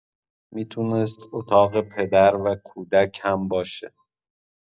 می‌تونست اتاق پدر و کودک هم باشه.